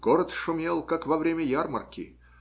Город шумел, как во время ярмарки.